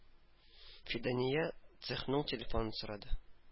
Фидания цехның телефонын сорады.